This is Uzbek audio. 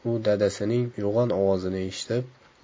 u dadasining yo'g'on ovozini eshitib